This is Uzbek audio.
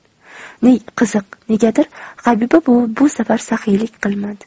qiziq negadir habiba buvi bu safar saxiylik qilmadi